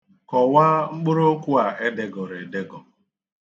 Kọwaa mkpụrụokwu a e degọrọ edegọ.